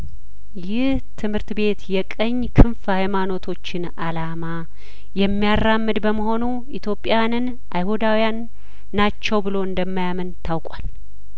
ይህ ትምርት ቤት የቀኝ ክንፍ ሀይማኖቶችን አላማ የሚያራምድ በመሆኑ ኢትዮጵያንን አይሁዳውያን ናቸው ብሎ እንደማያምን ታውቋል